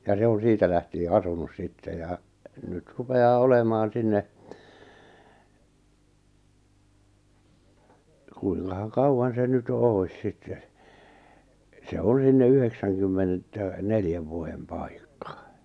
ja se on siitä lähtien asunut sitten ja nyt rupeaa olemaan sinne kuinkahan kauan se nyt jo olisi sitten se on sinne yhdeksänkymmenettä neljän vuoden paikka